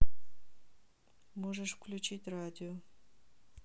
можешь включить радио